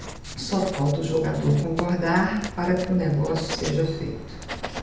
só falta o jogador concordar para que o negócio seja feito